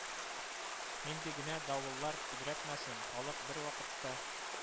Нинди генә давыллар тибрәтмәсен, халык бервакытта